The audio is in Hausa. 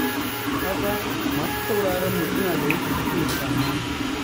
Ka ga, masu sauraronmu suna da wata irin ƙyama…